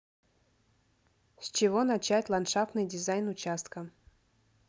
с чего начать ландшафтный дизайн участка